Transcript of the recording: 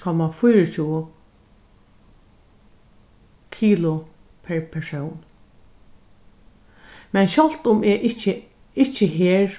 komma fýraogtjúgu kilo persón men sjálvt um eg ikki ikki her